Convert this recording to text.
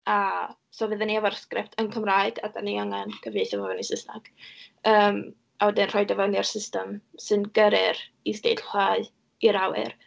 A so fydden ni efo'r sgript yn Cymraeg, a dan ni angen cyfieithu fo fewn i Saesneg. Yym a wedyn rhoid o fewn i'r system sy'n gyrru'r isdeitlau i'r awyr.